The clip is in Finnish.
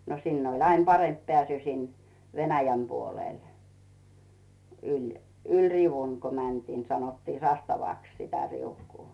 no sinne oli aina parempi pääsy sinne Venäjän puolelle yli yli riu'un kun mentiin sanottiin sastavaksi sitä riukua